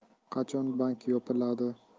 qachon bank yopiladi